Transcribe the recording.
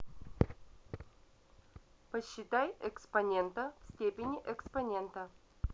посчитай экспонента в степени экспонента